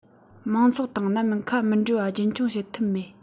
མང ཚོགས དང ནམ ཡང ཁ མི འབྲལ བ རྒྱུན འཁྱོངས བྱེད ཐུབ མིན